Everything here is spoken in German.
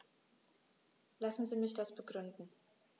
Lassen Sie mich das begründen.